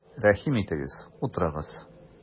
Рәхим итегез, утырыгыз!